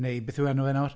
Neu beth yw enw e nawr?